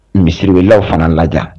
Misirielelaw fana lajɛdiya